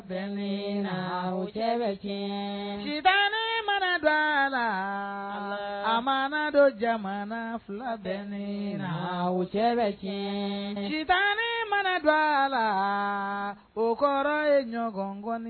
Bɛ la cɛ bɛ kɛ mana la mana don jamana fila bɛ ne la wo cɛ bɛ kɛ mana dɔ a la o kɔrɔ ye ɲɔgɔn